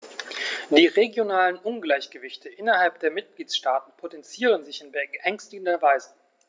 Die regionalen Ungleichgewichte innerhalb der Mitgliedstaaten potenzieren sich in beängstigender Weise.